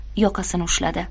yoqasini ushladi